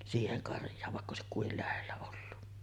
siihen karjaan vaikka olisi kuinka lähellä ollut